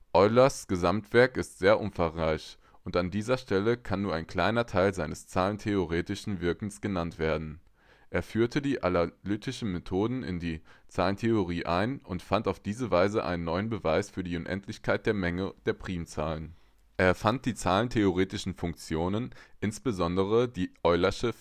Eulers Gesamtwerk ist sehr umfangreich, und an dieser Stelle kann nur ein kleiner Teil seines zahlentheoretischen Wirkens genannt werden. Er führte die analytischen Methoden in die Zahlentheorie ein und fand auf diese Weise einen neuen Beweis für die Unendlichkeit der Menge der Primzahlen. Er erfand die zahlentheoretischen Funktionen, insbesondere die Eulersche